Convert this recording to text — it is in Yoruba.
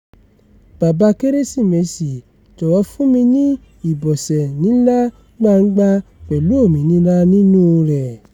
Bàba Kérésìmesì, jọ̀wọ́ fún mi ní ìbọsẹ̀ nílá gbàǹgbà pẹ̀lú òmìnira nínúu rẹ̀.